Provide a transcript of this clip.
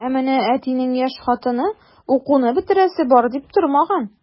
Ә менә әтинең яшь хатыны укуны бетерәсе бар дип тормаган.